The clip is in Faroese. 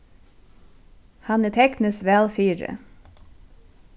hann er tekniskt væl fyri